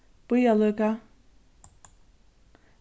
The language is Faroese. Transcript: bíða líka